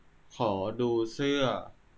ขอดูเสื้อ